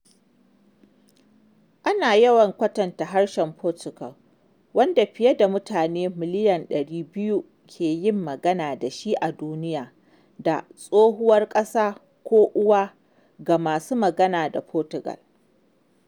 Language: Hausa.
Ana yawan kwatanta Harshen Fotigal, wanda fiye da mutane miliyan 200 ke yin magana da shi a duniya, da “tsohuwar ƙasa” ko “uwa” ga masu magana da Fotigal.